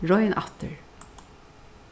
royn aftur